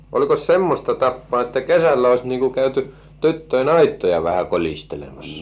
olikos semmoista tapaa että kesällä olisi niin kuin käyty tyttöjen aittoja vähän kolistelemassa